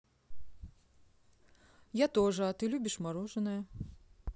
я тоже а ты любишь мороженое